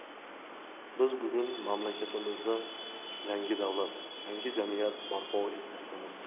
biz bugun mamlakatimizda yangi davlat yangi jamiyat barpo etmoqdamiz